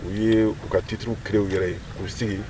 U ye u ka tituru kiw yɛrɛ ye uu sigi